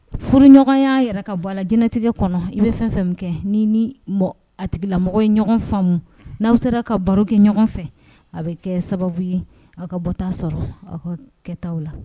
Furuɲɔgɔnya yɛrɛ ka bɔ a la jɛnatigɛ kɔnɔ i bɛ fɛn fɛn min kɛ n'i ni mɔ a tigilamɔgɔ ye ɲɔgɔn faamu n'aw sera ka baro kɛ ɲɔgɔn fɛ a bɛ kɛɛ sababu ye aw ka bɔ ta sɔrɔ aw ka k kɛtaw la